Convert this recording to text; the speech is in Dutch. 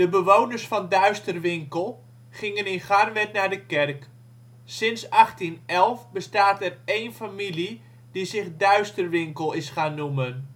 bewoners van Duisterwinkel gingen in Garnwerd naar de kerk. Sinds 1811 bestaat er één familie die zich Duisterwinkel is gaan noemen